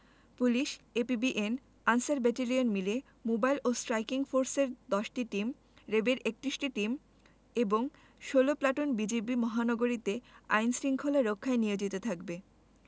police APBN Ansar battalion মিলিয়ে mobile ও striking ফোর্সের ১০টি টিম র ্যাবের ৩১টি টিম এবং ১৬ প্লাটুন বিজিবি মহানগরীতে আইন শৃঙ্খলা রক্ষায় নিয়োজিত থাকবে